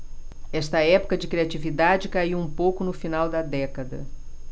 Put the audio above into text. esta época de criatividade caiu um pouco no final da década